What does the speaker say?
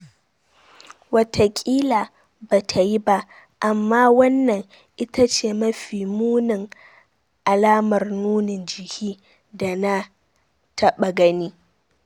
Wataƙila ba ta yi ba, amma wannan ita ce mafi munin alamar nunin jiki da na taɓa gani. "